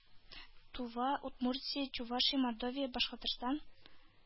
Тува, Удмуртия, Чувашия, Мордовия, Башкортстан